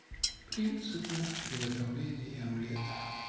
принципы приготовления омлета